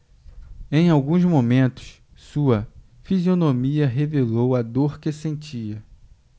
em alguns momentos sua fisionomia revelou a dor que sentia